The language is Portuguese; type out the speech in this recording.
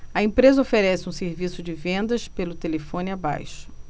a empresa oferece um serviço de vendas pelo telefone abaixo